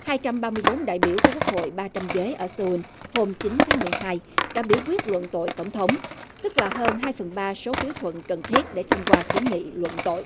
hai trăm ba mươi bốn đại biểu quốc hội ba trăm ghế ở sơ un hôm chín tháng mười hai đã biểu quyết luận tội tổng thống tức là hơn hai phần ba số phiếu thuận cần thiết để thông qua kiến nghị luận tội